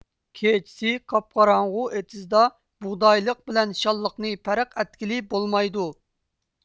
كېچىسى قاپقاراڭغۇ ئېتىزدا بۇغدايلىق بىلەن شاللىقنى پەرق ئەتكىلى بولمايتتى